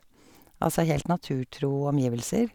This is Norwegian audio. Altså helt naturtro omgivelser.